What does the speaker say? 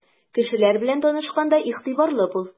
Кешеләр белән танышканда игътибарлы бул.